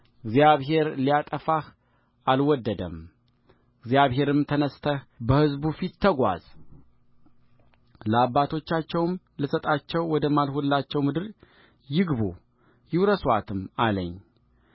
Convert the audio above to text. እግዚአብሔር ሊያጠፋህ አልወደደም እግዚአብሔርም ተነሥተህ በሕዝቡ ፊት ተጓዝ ለአባቶቻቸውም ልሰጣቸው ወደ ማልሁላቸው ምድር ይግቡ ይውረሱአትም አለኝ